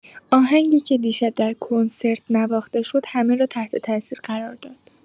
آهنگی که دیشب در کنسرت نواخته شد، همه را تحت‌تأثیر قرار داد.